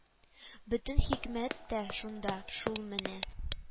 Бөтен хикмәт тә шунда шул менә